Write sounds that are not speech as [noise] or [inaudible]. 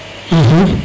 [hesitation] [hesitation]